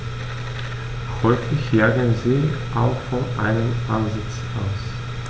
Häufig jagen sie auch von einem Ansitz aus.